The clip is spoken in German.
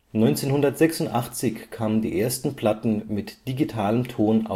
1986 kamen die ersten Platten mit digitalem Ton